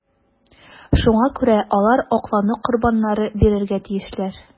Шуңа күрә алар аклану корбаннары бирергә тиешләр.